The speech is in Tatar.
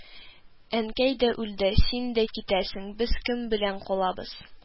– әнкәй дә үлде, син дә китәсең, без кем белән калабыз